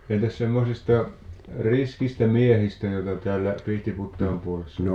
entäs semmoisista riskeistä miehistä joita täällä Pihtiputaan puolessa